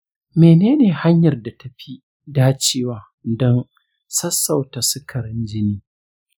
mene ne hanyar da ta fi dacewa don sassauta sukarin jini?